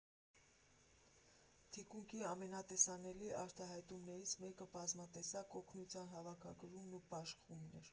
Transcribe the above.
Թիկունքի ամենատեսանելի արտահայտումներից մեկը բազմատեսակ օգնության հավաքագրումն ու բաշխումն էր։